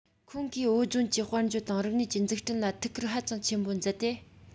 ཁོང གིས བོད ལྗོངས ཀྱི དཔལ འབྱོར དང རིག གནས ཀྱི འཛུགས སྐྲུན ལ ཐུགས ཁུར ཧ ཅང ཆེན པོ མཛད དེ